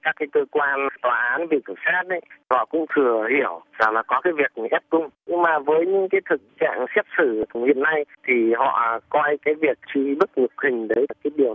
các cái cơ quan tòa án viện kiểm sát đấy họ cũng thừa hiểu rằng là có cái việc ép cung nhưng mà với cái thực trạng xét xử hiện nay thì họ coi cái việc truy bức nhục hình đấy là cái điều nó